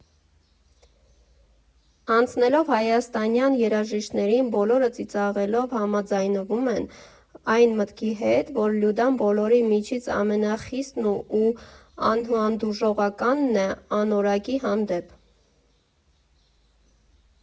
Անցնելով Հայաստանյան երաժիշտներին, բոլորը ծիծաղելով համաձայնվում են այն մտքի հետ, որ Լյուդան բոլորի միջից ամենախիստն ու անհանդուրժողականն է անորակի հանդեպ։